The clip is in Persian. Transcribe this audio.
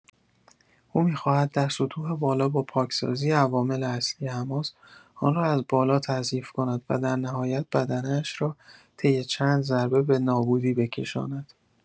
او می‌خواهد در سطوح بالا با پاکسازی عوامل اصلی حماس، آن را از بالا تضعیف کند و در نهایت بدنه‌ش را طی چند ضربه به نابودی بکشاند.